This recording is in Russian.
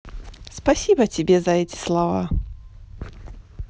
спасибо тебе за эти слова